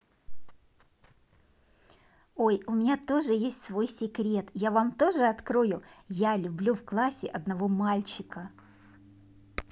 ой у меня тоже есть свой секрет я вам тоже открою я люблю в классе одного мальчика